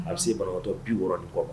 A bɛ se bamakɔtɔ bi wɔɔrɔ nin kɔ